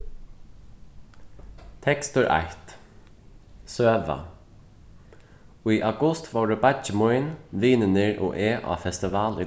tekstur eitt søga í august vóru beiggi mín vinirnir og eg á festival í